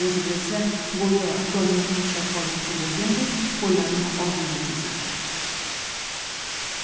o'zi bo'lsa go'yo doniyorni ushlab qolmoqchi bo'lgandek qo'llarini oldinga cho'zardi